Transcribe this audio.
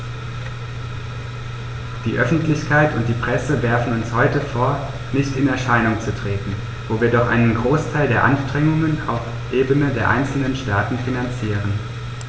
Die Öffentlichkeit und die Presse werfen uns heute vor, nicht in Erscheinung zu treten, wo wir doch einen Großteil der Anstrengungen auf Ebene der einzelnen Staaten finanzieren.